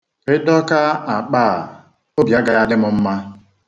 I dọkaa akpa a, obi agaghị adị m mma.